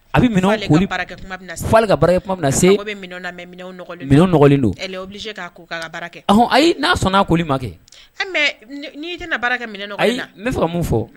A bɛ don ayi n'a sɔnna'a koli ma kɛ n' tɛna baara kɛ minɛ n bɛ mun fɔ